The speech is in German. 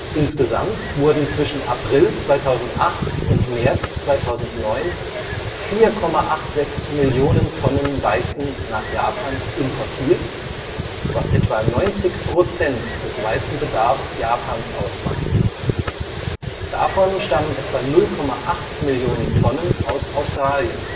Insgesamt wurden zwischen April 2008 und März 2009 4,86 Millionen Tonnen Weizen nach Japan importiert, was etwa 90 % des Weizenbedarfs Japans ausmacht. Davon stammen etwa 0,8 Millionen Tonnen aus Australien